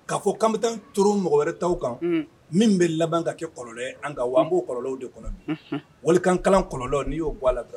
K'a fɔ kan bɛ taa turu mɔgɔ wɛrɛ ta kan min bɛ laban ka kɛ kɔlɔnlɔ nkaan b'o kɔlɔnw de kɔnɔ wali kalanlan kɔlɔn n'i y'o bɔ labila